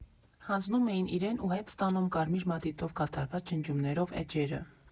Հանձնում էին իրեն ու հետ ստանում կարմիր մատիտով կատարված ջնջումներով էջերը։